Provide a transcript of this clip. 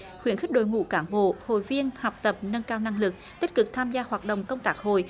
khuyến khích đội ngũ cán bộ hội viên học tập nâng cao năng lực tích cực tham gia hoạt động công tác hội